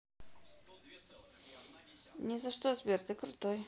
не за что сбер ты крутой